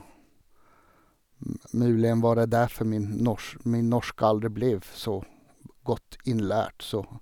Möjligen var det derfor min nors min norsk aldri ble så godt innlært, så...